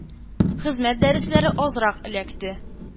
“хезмәт дәресләре” азрак эләкте.